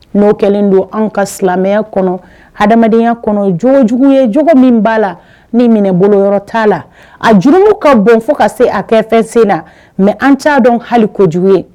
N'o kɛlen don anw ka silamɛya kɔnɔ adamadenya kɔnɔ jogo jugu ye jogo min b'a la ni minɛ boloyɔrɔ t'a la a jurumu ka bon fo ka taa se a kɛfɛsen ma, mais an t'a dɔn hali ko jugu ye